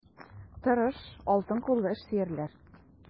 Тырыш, алтын куллы эшсөярләр.